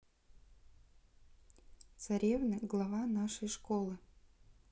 царевны глава нашей школы